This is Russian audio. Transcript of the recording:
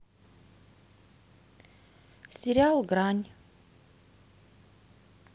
сериал грань